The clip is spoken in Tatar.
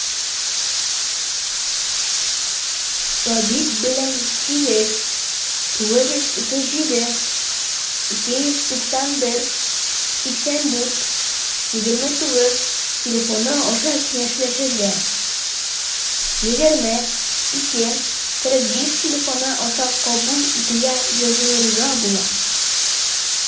Табиб белән 89372918429 телефоны аша киңәшләшергә, 20-2-45 телефоны аша кабул итүгә язылырга була.